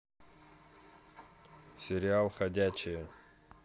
сериал ходячие